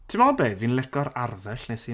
Timod be' fi'n lico'r arddull wnes i...